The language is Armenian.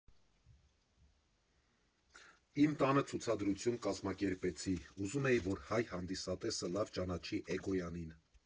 Իմ տանը ցուցադրություն կազմակերպեցի՝ ուզում էի, որ հայ հանդիսատեսը լավ ճանաչի էգոյանին։